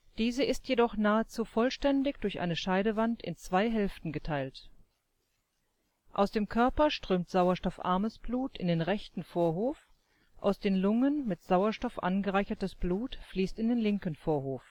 Diese ist jedoch nahezu vollständig durch eine Scheidewand in zwei Hälften geteilt. Aus dem Körper strömt sauerstoffarmes Blut in den rechten Vorhof, aus den Lungen mit Sauerstoff angereichertes Blut fließt in den linken Vorhof